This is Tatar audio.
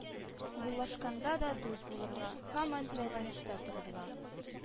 Буллашканда да дус булырга, һаман бәйләнештә торырга